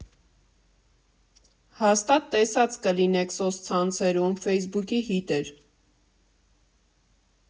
Հաստատ տեսած կլինեք սոցցանցերում՝ Ֆեյսբուքի հիթ էր։